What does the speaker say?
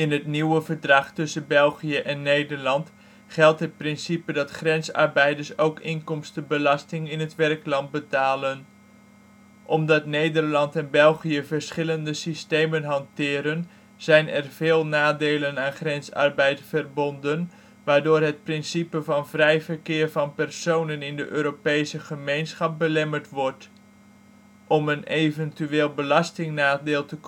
het nieuwe verdrag tussen België en Nederland geldt het principe dat grensarbeiders ook inkomstenbelasting in het werkland betalen. Omdat Nederland en België verschillende systemen hanteren zijn er veel nadelen aan grensarbeid verbonden waardoor het principe van vrij verkeer van personen in de Europese Gemeenschap belemmerd wordt. Om een eventueel belastingnadeel te